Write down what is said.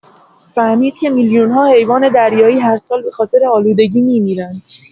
فهمید که میلیون‌ها حیوان دریایی هر سال به‌خاطر آلودگی می‌میرند.